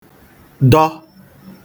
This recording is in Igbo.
dọ